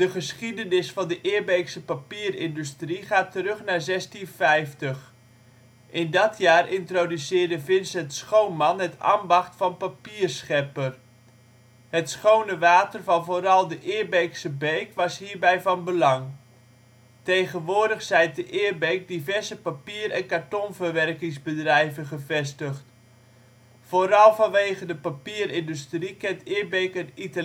geschiedenis van de Eerbeekse papierindustrie gaat terug naar 1650. In dat jaar introduceerde Vincent Schoonman het ambacht van papierschepper. Het schone water van vooral de Eerbeekse beek was hierbij van belang. Tegenwoordig zijn te Eerbeek diverse papier - en kartonverwerkingsbedrijven gevestigd. Vooral vanwege de papierindustrie kent Eerbeek een Italiaanse